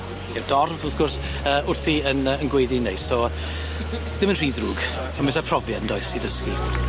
ne'r dorf, wrth gwrs yy wrthi yn yy yn gweiddi'n neis, so ddim yn rhy ddrwg, ond ma' isia profiad yndoes i ddysgu.